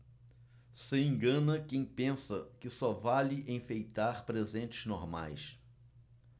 se engana quem pensa que só vale enfeitar presentes normais